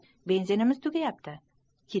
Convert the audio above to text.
qara benzinimiz tugayapti